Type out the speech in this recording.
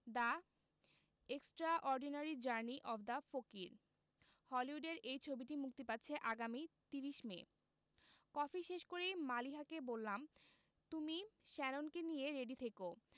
the extraordinary journey of the fakir হলিউডের এই ছবিটি মুক্তি পাচ্ছে আগামী ৩০ মে কফি শেষ করেই মালিহাকে বললাম তুমি শ্যাননকে নিয়ে রেডি থেকো